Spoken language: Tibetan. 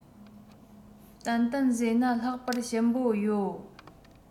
ཏན ཏན བཟས ན ལྷག པར ཞིམ པོ ཡོད